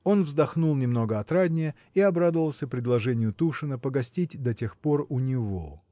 Он вздохнул немного отраднее и обрадовался предложению Тушина погостить до тех пор у него.